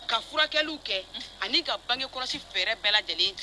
Ka furakɛliw kɛ ani ka bange kɔlɔsi fɛrɛɛrɛ bɛɛ lajɛlen